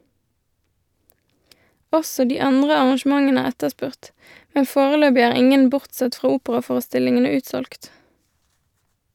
Også de andre arrangementene er etterspurt, men foreløpig er ingen bortsett fra operaforestillingene utsolgt.